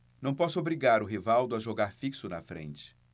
não posso obrigar o rivaldo a jogar fixo na frente